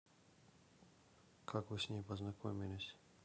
как вы с ней познакомились